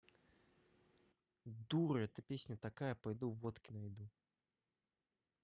дура это песня такая пойду водки найду